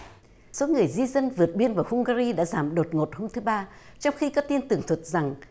số người di dân vượt biên vào hung ga ri đã giảm đột ngột hôm thứ ba trong khi các tin tường thuật rằng